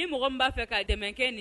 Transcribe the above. Ni mɔgɔ b' fɛ ka dɛmɛ kɛ nin